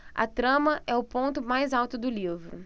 a trama é o ponto mais alto do livro